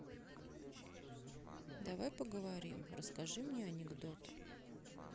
давай поговорим расскажи мне анекдот